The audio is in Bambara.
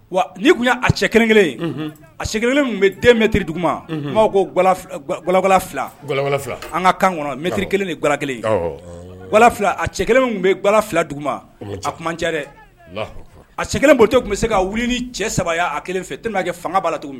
Wa nii tun y' a cɛ kelen kelen a kelen tun bɛ den mɛtiriri dugu' kowa an ka kan kɔnɔ mɛtiri kelen ni ga kelen a cɛ kelen tun bɛ ga fila dugu a kuma cɛ dɛ a cɛ kelen bɔtɔ tun bɛ se ka wuli ni cɛ saba a kelen fɛ to'a kɛ fanga' la tuguni